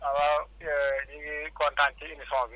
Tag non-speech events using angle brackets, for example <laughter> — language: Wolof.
waaw <hesitation> ñu ngi kontaan si émission bi